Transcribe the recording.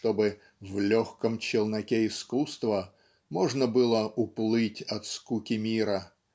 чтобы в "легком челноке искусства" можно было "уплыть от скуки мира"